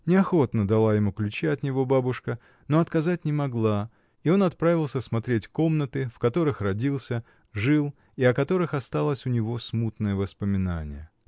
Неохотно дала ему ключи от него бабушка, но отказать не могла, и он отправился смотреть комнаты, в которых родился, жил и о которых осталось у него смутное воспоминание.